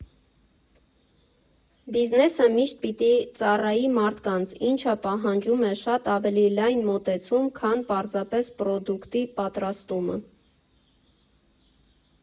Բիզնեսը միշտ պիտի ծառայի մարդկանց, ինչը պահանջում է շատ ավելի լայն մոտեցում, քան պարզապես պրոդուկտի պատրաստումը։